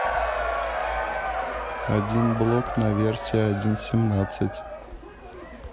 один блок на версия один семнадцать